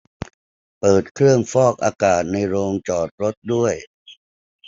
เปิดเครื่องฟอกอากาศในโรงจอดรถด้วย